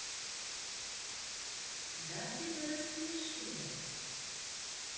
да ты до рассмешила